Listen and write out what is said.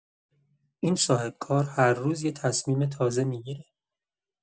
این صاحب‌کار هر روز یه تصمیم تازه می‌گیره.